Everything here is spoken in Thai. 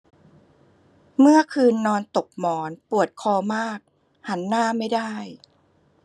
เมื่อคืนนอนตกหมอนปวดคอมากหันหน้าไม่ได้